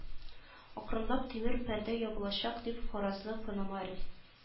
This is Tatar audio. Акрынлап тимер пәрдә ябылачак дип фаразлый пономарев